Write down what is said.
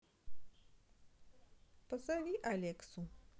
позови алексу